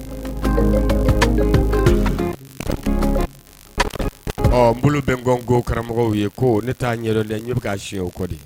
N bolo bɛ ngɔ ko karamɔgɔ ye ko ne t'a yɛrɛ dɛ ɲɛ bɛ' si o kɔ di